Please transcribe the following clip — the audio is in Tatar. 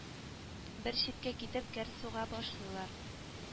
Бер читкә китеп кәрт суга башлыйлар